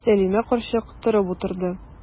Сәлимә карчык торып утырды.